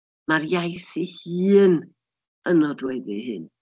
Mae'r iaith ei hun yn nodweddu hyn.